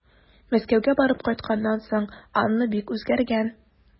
Мәскәүгә барып кайтканнан соң Анна бик үзгәргән.